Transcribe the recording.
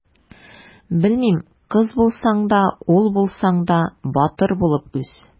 Белмим: кыз булсаң да, ул булсаң да, батыр булып үс!